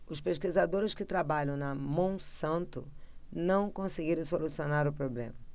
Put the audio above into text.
os pesquisadores que trabalham na monsanto não conseguiram solucionar o problema